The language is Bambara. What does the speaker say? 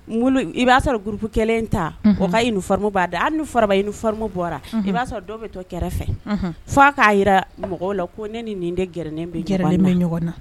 N i b'a sɔrɔ gku kelen ta b'a hali ni ni fari bɔra i b'a sɔrɔ dɔ bɛ to kɛrɛfɛ fo a'a jira mɔgɔw la ko ne ni nin de gɛrɛnen ɲɔgɔn na